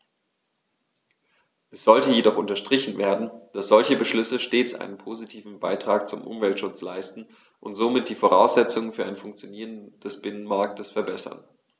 Es sollte jedoch unterstrichen werden, dass solche Beschlüsse stets einen positiven Beitrag zum Umweltschutz leisten und somit die Voraussetzungen für ein Funktionieren des Binnenmarktes verbessern.